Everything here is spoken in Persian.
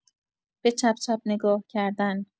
به چپ‌چپ نگاه‌کردن